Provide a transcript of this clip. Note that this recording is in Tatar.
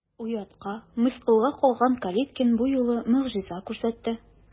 Оятка, мыскылга калган Калиткин бу юлы могҗиза күрсәтте.